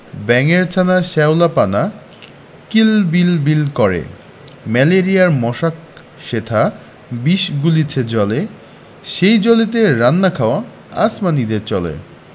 ব্যাঙের ছানা শ্যাওলা পানা কিল বিল বিল করে ম্যালেরিয়ার মশক সেথা বিষ গুলিছে জলে সেই জলেতে রান্না খাওয়া আসমানীদের চলে